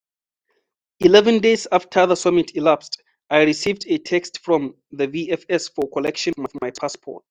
11 days after the summit elapsed, I received a text from the VFS for collection of my passport.